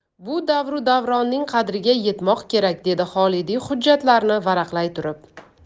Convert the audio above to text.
bu davru davronning qadriga yetmoq kerak dedi xolidiy hujjatlarni varaqlay turib